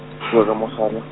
bua ka mogala.